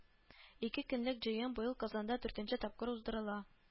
Ике көнлек җыен быел Казанда дүртенче тапкыр уздырыла